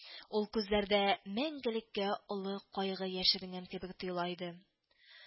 Ул күзләрдә мәңгелеккә олы кайгы яшеренгән кебек тоела иде